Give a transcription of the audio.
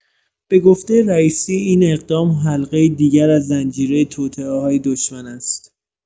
به گفته رییسی، این اقدام حلقه‌ای دیگر از زنجیره توطئه‌های دشمن است.